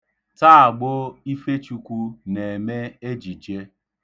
Tagbo Ifechukwu na-eme ejije.